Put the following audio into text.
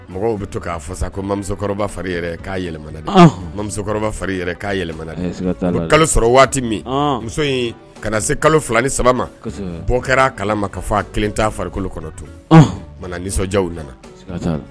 Mɔgɔw bɛ to k'a fɔ sa ko n bamusokɔrɔba fari yɛrɛ k'a yɛlɛma na dɛ n bamusokɔrɔba fari yɛrɛ k'a yɛlɛma na dɛ a bɛ kalo sɔrɔ waati min muso in kana na se kalo 2 ni 3 man bɔ kɛra kalama ka fɔ 1 t'a farikolo kɔnɔ tun o tuma na nisɔndiyaw nana siga t'ala.